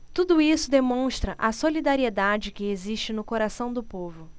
tudo isso demonstra a solidariedade que existe no coração do povo